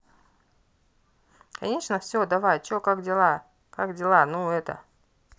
конечно все давай че как дела как дела ну это